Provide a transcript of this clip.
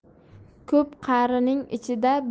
ko'p qarining ichida